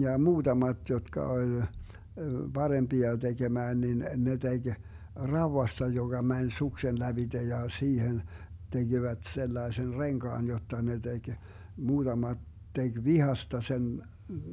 ja muutamat jotka oli parempia tekemään niin ne teki raudasta joka meni suksen lävitse ja siihen tekivät sellaisen renkaan jotta ne teki muutamat teki vitsasta sen